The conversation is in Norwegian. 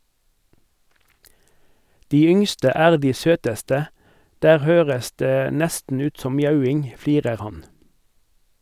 De yngste er de søteste, der høres det nesten ut som mjauing, flirer han.